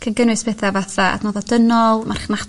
cyn gynnwys petha fatha adnodda dynol